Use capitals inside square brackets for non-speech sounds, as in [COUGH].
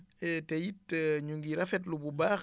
[HESITATION] te it [HESITATION] ñu ngi rafetlu bu baax